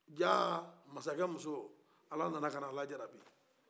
jaa masakɛmuso ala nana k'a na a lajarabi